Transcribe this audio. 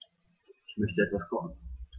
Ich möchte etwas kochen.